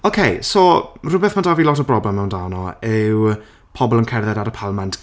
OK so rhywbeth ma' 'da fi lot o broblem amdano yw pobl yn cerdded ar y palmant.